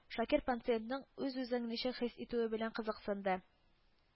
Шакир панциентның үз-үзен ничек хис итүе белән кызыксынды